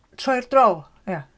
Troi'r drol. Ie.